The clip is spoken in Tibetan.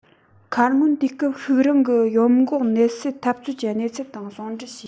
ཁ སྔོན དུས སྐབས ཤིག རིང གི ཡོམ འགོག གནོད སེལ འཐབ རྩོད ཀྱི གནས ཚུལ དང ཟུང འབྲེལ བྱས